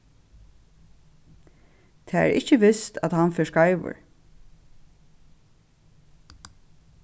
tað er ikki vist at hann fer skeivur